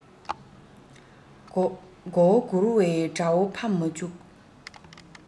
མགོ བོ བསྒུར བའི དགྲ བོ ཕམ མ བཅུག